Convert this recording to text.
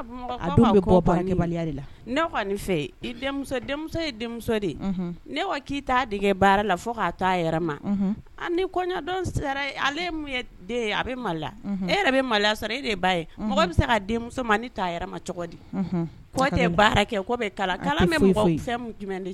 I dege baara fo k ma kɔɲɔ ale e yɛrɛya sɔrɔ e de ba mɔgɔ bɛ se denmuso ma ma cogo di tɛ baara kɛ kala kala jumɛn